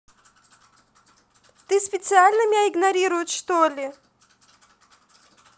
ты специально меня игнорирует что ли